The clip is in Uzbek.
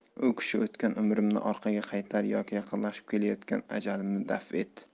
u kishi o'tgan umrimni orqaga qaytar yoki yaqinlashib kelayotgan ajalimni daf et